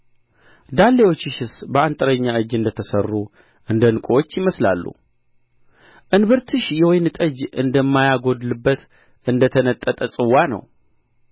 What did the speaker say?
ዳሌዎችሽስ በአንጥረኛ እጅ እንደ ተሠሩ እንደ ዕንቍዎች ይመስላሉ እንብርትሽ የወይን ጠጅ እንደማይጐድልበት እንደ ተነጠጠ ጽዋ ነው